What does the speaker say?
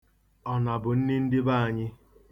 Ọna bụ nri ndị be anyị.